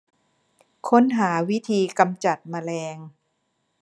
ค้นหาวิธีกำจัดแมลง